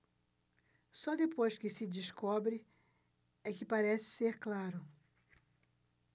só depois que se descobre é que parece ser claro